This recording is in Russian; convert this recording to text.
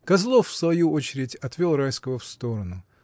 Козлов в свою очередь отвел Райского в сторону.